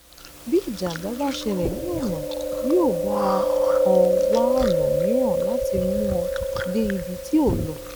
Bí ìjàmbá bá ṣẹlẹ̀ ní ọ̀nà yóò bá ọ wá ọ̀nà mìíràn láti mú ọ dé ibi tí ò ń lọ.